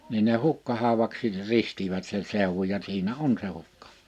niin ne Hukkahaudaksi ristivät se seudun ja siinä on se -